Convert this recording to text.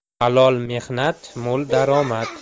halol mehnat mo'l daromad